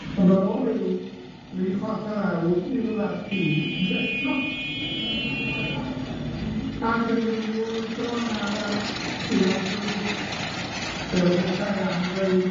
Ond ar ôl ryw dri chwarter awr, mi fydda'r ci yn deffro ac yn ymlwybro'n ara tua'r drws, fel petai am ddeud